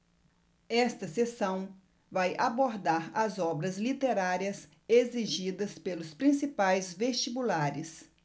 esta seção vai abordar as obras literárias exigidas pelos principais vestibulares